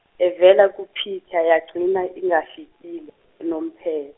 evela kuPeter yagcina ingafikile unomphela.